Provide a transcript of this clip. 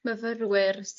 myfyrwyr